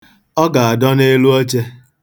Ọ ga-adọ n'elu oche.